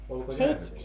oliko järveä